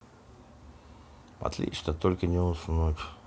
отлично только не уснуть